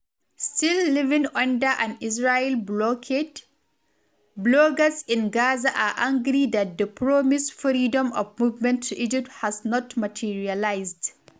Still living under an Israeli blockade, bloggers in Gaza are angry that the promised freedom of movement to Egypt has not materialized.